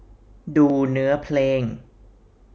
ดูเนื้อเพลง